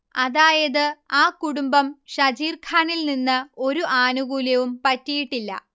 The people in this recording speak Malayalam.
അതായത് ആ കുടുംബം ഷജീർഖാനിൽ നിന്ന് ഒരു ആനുകൂല്യവും പറ്റിയിട്ടില്ല